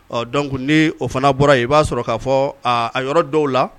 Ɔ donc ni o fana bɔra yen i b'a sɔrɔ k'a fɔ a yɔrɔ dɔw la